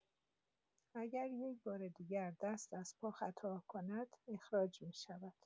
اگر یک‌بار دیگر دست از پا خطا کند، اخراج می‌شود.